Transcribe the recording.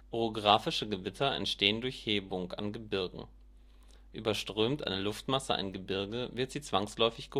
Orographische Gewitter entstehen durch Hebung an Gebirgen. Überströmt eine Luftmasse ein Gebirge, wird sie zwangsläufig